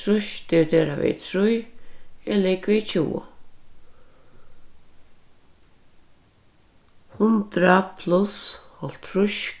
trýss dividerað við trý er ligvið tjúgu hundrað pluss hálvtrýss